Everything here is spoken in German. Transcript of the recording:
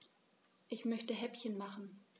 Ich möchte Häppchen machen.